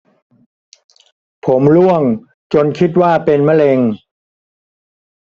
ผมร่วงจนคิดว่าเป็นมะเร็ง